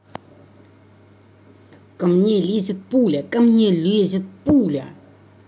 ко мне лезет пуля ко мне лезет